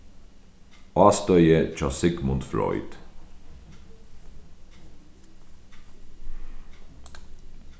ástøðið hjá sigmund freud